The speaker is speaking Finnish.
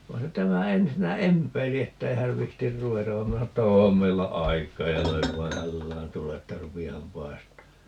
vai se tämä ensinnä empeili että ei hän viitsi ruveta vaan minä sanoin että on meillä aikaa ja löin vaan hällään tule että rupeahan paistamaan